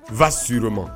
Va sûrement